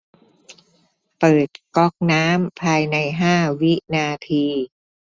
เปิดก๊อกน้ำภายในห้าวินาที